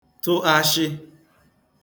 tụ āshị̄